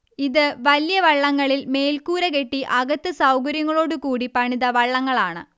ഇത് വല്യ വള്ളങ്ങളിൽ മേൽക്കൂര കെട്ടി അകത്ത് സൗകര്യങ്ങളോട് കൂടി പണിത വള്ളങ്ങളാണ്